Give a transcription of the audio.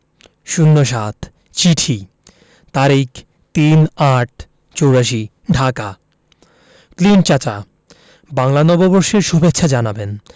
০৭ চিঠি তারিখ ৩-৮-৮৪ ঢাকা ক্লিন্ট চাচা বাংলা নববর্ষের সুভেচ্ছা জানাবেন